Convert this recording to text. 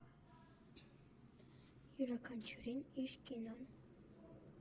Յուրաքանչյուրին իր կինոն։